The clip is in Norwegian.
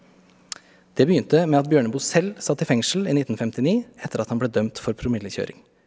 det begynte med at Bjørneboe selv satt i fengsel i 1959 etter at han ble dømt for promillekjøring.